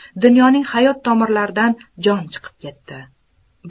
dunyoning hayot tomirlaridan jon chiqib ketdi